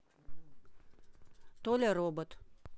толя робот